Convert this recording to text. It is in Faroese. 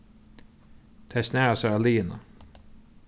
tey snara sær á liðina